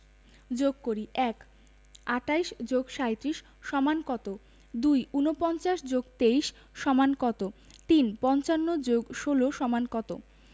যোগ করিঃ ১ ২৮ + ৩৭ = কত ২ ৪৯ + ২৩ = কত ৩ ৫৫ + ১৬ = কত